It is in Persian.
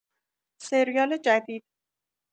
سریال جدید